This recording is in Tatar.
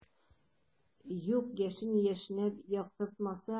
Юк, яшен яшьнәп яктыртмаса.